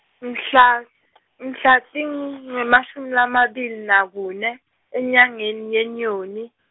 mhla , mhla tingemashumi lamabili nakune, enyangeni yeNyoni.